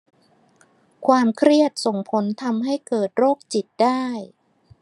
ความเครียดส่งผลทำให้เกิดโรคจิตได้